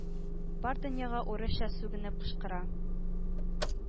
Бар дөньяга урысча сүгенеп кычкыра.